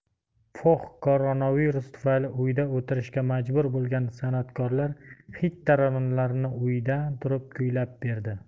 foxkoronavirus tufayli uyda o'tirishga majbur bo'lgan san'atkorlar xit taronalarni uydan turib kuylab berdi